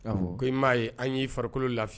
Ko i m'a ye, an y'i farikolo lafi